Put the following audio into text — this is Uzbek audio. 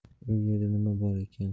u yerda nima bor ekan